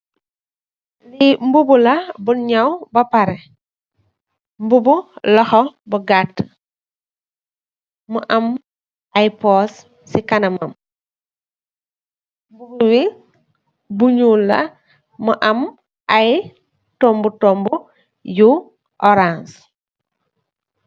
Li mbubu la bun nyaww ba pareh, mbubu loho bu gatt. Mu amm ai porch si kanam teksi amm ay tombu yu orange.